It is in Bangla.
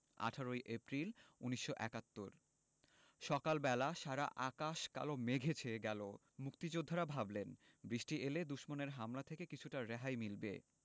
১৮ এপ্রিল ১৯৭১ সকাল বেলা সারা আকাশ কালো মেঘে ছেয়ে গেল মুক্তিযোদ্ধারা ভাবলেন বৃষ্টি এলে দুশমনের হামলা থেকে কিছুটা রেহাই মিলবে